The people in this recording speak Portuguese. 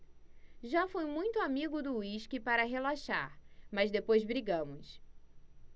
já fui muito amigo do uísque para relaxar mas depois brigamos